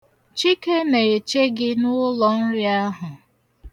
Chike na-eche gị n'ụlọ ahụ.